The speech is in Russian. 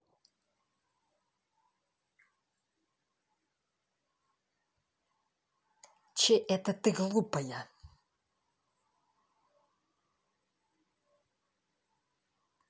че это ты глупая